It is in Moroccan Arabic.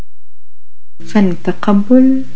انت قبل